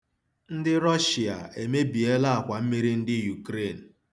Ndị Rọshịa emebiela akwammiri ndi Jukreen.